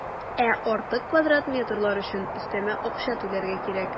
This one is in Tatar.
Ә артык квадрат метрлар өчен өстәмә акча түләргә кирәк.